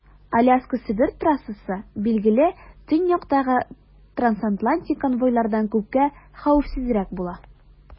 Аляска - Себер трассасы, билгеле, төньяктагы трансатлантик конвойлардан күпкә хәвефсезрәк була.